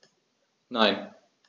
Nein.